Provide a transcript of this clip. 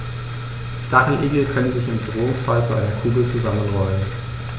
Stacheligel können sich im Bedrohungsfall zu einer Kugel zusammenrollen.